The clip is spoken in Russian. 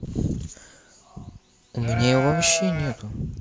у меня его вообще нету